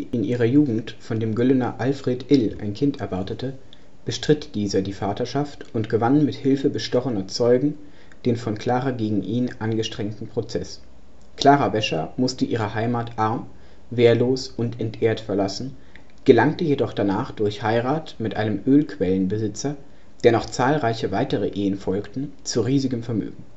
ihrer Jugend von dem Güllener Alfred Ill ein Kind erwartete, bestritt dieser die Vaterschaft und gewann mit Hilfe bestochener Zeugen den von Klara gegen ihn angestrengten Prozess. Klara Wäscher musste ihre Heimat arm, wehrlos und entehrt verlassen, gelangte jedoch danach durch Heirat mit einem Ölquellenbesitzer, der noch zahlreiche weitere Ehen folgten, zu riesigem Vermögen